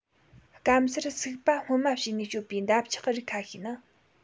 སྐམ སར སུག པ སྔོན མ བྱས ནས སྤྱོད པའི འདབ ཆགས རིགས ཁ ཤས ནི